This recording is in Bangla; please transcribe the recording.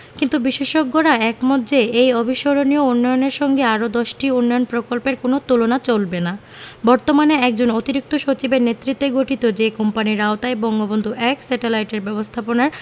কিন্তু বিশেষজ্ঞরা একমত যে এই অবিস্মরণীয় উন্নয়নের সঙ্গে আরও দশটি উন্নয়ন প্রকল্পের কোনো তুলনা চলবে না বর্তমানে একজন অতিরিক্ত সচিবের নেতৃত্বে গঠিত যে কোম্পানির আওতায় বঙ্গবন্ধু ১ স্যাটেলাইট এর ব্যবস্থাপনার